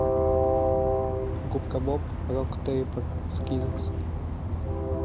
губка боб рок тейпар скизорс